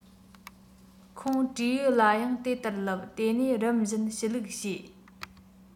ཁོང སྤྲེའུ ལ ཡང དེ ལྟར ལབ དེ ནས རིམ བཞིན ཞུ ལུགས བྱེད